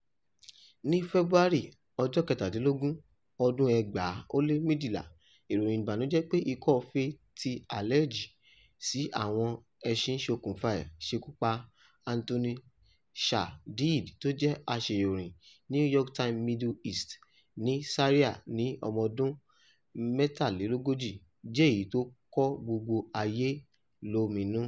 Ní Fẹ́búárì 17, ọdún 2012, ìròyìn ìbànújẹ́ pé ikọ́fee tí álẹ́jì sí àwọn ẹṣin ṣokùnfà ẹ̀ ṣekú pa Anthony Shadid tó jẹ́ Asọrọ̀yìn New York Times Middle East ní Syria ni ọmọ ọdún 43, jẹ́ èyí tó kọ gbogbo ayé lóminú.